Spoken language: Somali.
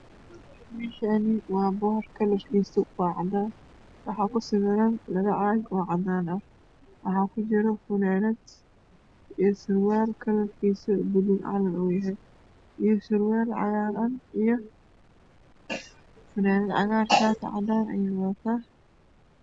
Me Shani wa boor kalar kisu wa cadan waxa kusawiran labo caag o cadan ah waxa kujiro fananad iyo surwal kalar kisu bulug Calan uyahay iyo surwal cagar ah iyo funaanad cagaar shati cadan ayey wadata